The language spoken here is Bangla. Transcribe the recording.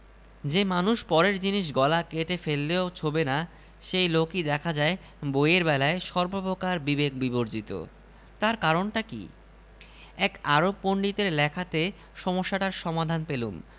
বইকেনা সৈয়দ মুজতবা আলী মার্ক টুয়েনের লাইব্রেরিখানা নাকি দেখবার মত ছিল মেঝে থেকে ছাত পর্যন্ত বই শুধু বই